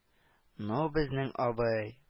Ну, безнең абый